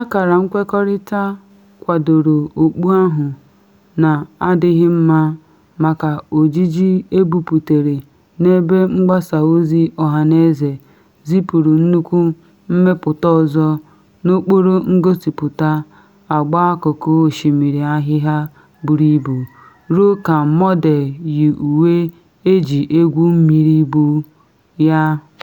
Akara nkwekọrịta kwadoro okpu ahụ na adịghị mma maka ojiji ebuputere n’ebe mgbasa ozi ọhaneze zipuru nnukwu mmepụta ọzọ n’okporo ngosipụta - agba akụkụ osimiri ahịhịa buru ibu ruo ka mọdel yi uwe eji egwu mmiri bu ya.